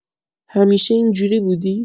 همیشه اینجوری بودی؟